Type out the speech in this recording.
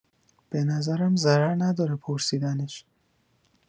به نظرم ضرر نداره پرسیدنش